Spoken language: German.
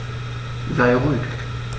Sei ruhig.